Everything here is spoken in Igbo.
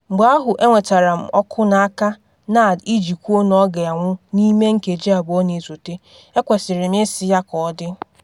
“Mgbe ahụ enwetara m oku n’aka Nad iji kwuo na ọ ga-anwụ n’ime nkeji abụọ na esote, ekwesịrị m ị sị ya ka ọ dị.